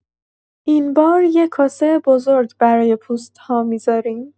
این بار یه کاسه بزرگ برای پوست‌ها می‌ذاریم.